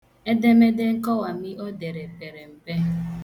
Edemede nkọwami o dere pere mpe.